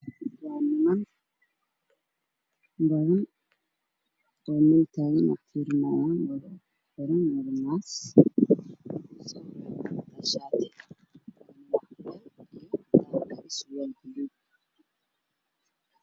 Waa niman oo taagtaagan qalab ayay fiirinayaan afka waxa ugu xiran maaskaro ayay qabaan iyo shatiyaal